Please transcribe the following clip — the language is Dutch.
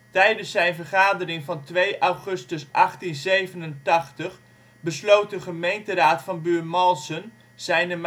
Tijdens zijn vergadering van 2 augustus 1887 besloot de gemeenteraad van Buurmalsen Zijne